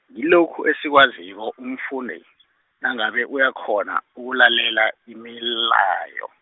ngilokhu esikwaziko umfundi, nangabe uyakghona, ukulalela, imilayo.